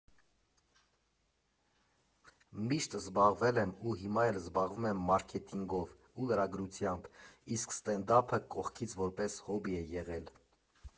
Միշտ զբաղվել եմ ու հիմա էլ զբաղվում եմ մարքեթինգով ու լրագրությամբ, իսկ ստենդափը կողքից որպես հոբբի է եղել։